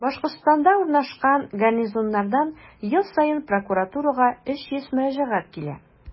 Башкортстанда урнашкан гарнизоннардан ел саен прокуратурага 300 мөрәҗәгать килә.